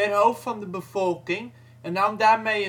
hoofd van de bevolking en nam daarmee